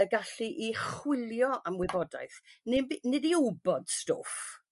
Y gallu i chwilio am wybodaeth nib nid i wbod stwff.